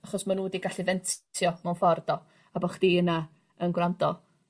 achos ma' nhw 'di gallu fentio mewn ffor do a bo' chdi yna yn gwrando